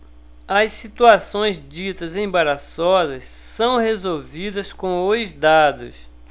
as situações ditas embaraçosas são resolvidas com os dados